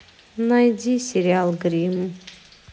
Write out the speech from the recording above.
найди сериал гримм